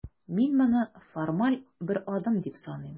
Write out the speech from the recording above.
Мин моны формаль бер адым дип саныйм.